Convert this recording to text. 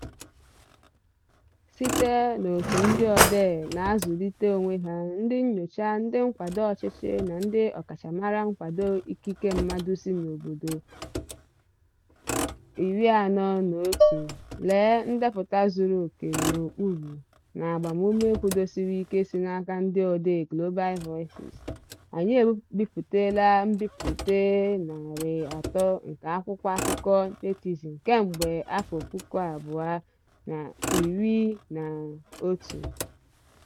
Site na òtù ndị odee na-azụlite onwe ha, ndị nnyocha, ndị nkwado ọchịchị na ndị ọkachamara nkwado ikike mmadụ sị n'obodo 41 (lee ndepụta zuru oke n'okpuru) na agbamuume kwụdosirike sị n'aka ndị odee Global Voices, anyị ebipụtala mbipụta 300 nke akwụkwọ akụkọ Netizen kemgbe 2011.